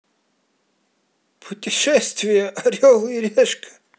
путешествия орел и решка